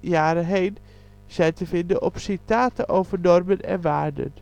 jaren heen zijn te vinden op Citaten over normen en waarden